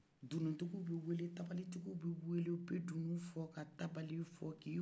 dunun tigw bɛ wele tabalen tigiw bɛ wele o bɛ dunun fɔ ka tabalen fɔ k'i